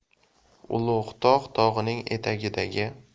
ulug'tog' tog'ining etagidagi